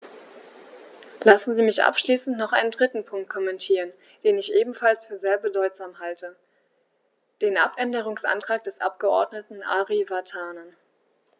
Lassen Sie mich abschließend noch einen dritten Punkt kommentieren, den ich ebenfalls für sehr bedeutsam halte: den Abänderungsantrag des Abgeordneten Ari Vatanen.